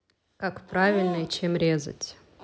как правильно и чем резать